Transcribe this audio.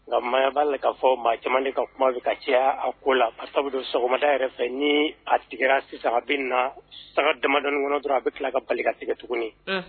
Nka ma b'a la k'a fɔ maa caman de ka kuma fɛ ka caya a ko la a sababu don sɔgɔmada yɛrɛ ni a tigɛ sisan a bɛ na saga damadɔnin kɔnɔ dɔrɔn a bɛ tila kakasɛgɛ tuguni